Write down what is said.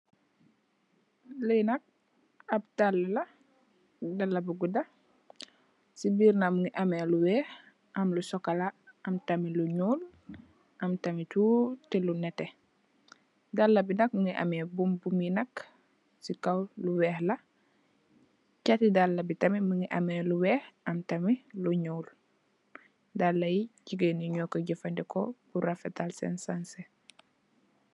Li nak ap dalla la dalla bu gudda ci biir nak mugii am lu wèèx am lu sokola am tamit lu ñuul am tamit tuuti lu netteh dalla bi nak mugii ameh buum buum yi nak ci kaw lu wèèx la ceeti dalla bi tam mugii am lu wèèx mugii am tamit lu ñuul dalli jigeen yi ño koy jafandiko ngir refetal sèèn sanseh.